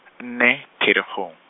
nne, Pherekgong.